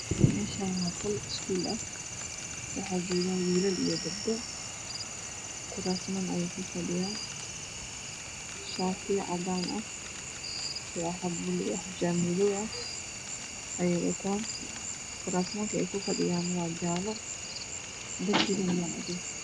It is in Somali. Meshaani waa qol oskuul ah waxaa joogo wiilal iyo gabdho kuur ayey ku fadhiyaan iyo shaati cadaan ah turaxdo paluuga ah ayeey wataan kuraasta ey ku fadhiyaana wa jaalo darpigana waa cadees